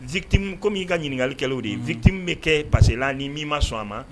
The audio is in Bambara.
Victime ,comme i ka ɲininkali kɛla o de ye. Unhun. victime bɛ kɛ parce que la ni min ma sɔn a ma